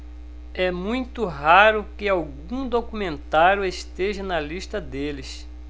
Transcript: é muito raro que algum documentário esteja na lista deles